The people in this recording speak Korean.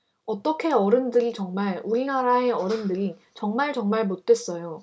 어떻게 어른들이 정말 우리나라의 어른들이 정말정말 못됐어요